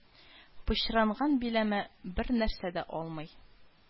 Пычранган биләме бернәрсә дә алмый